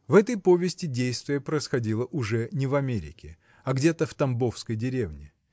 В этой повести действие происходило уже не в Америке а где-то в тамбовской деревне.